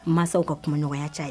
Masaw ka kumaɲɔgɔnya cayaa ye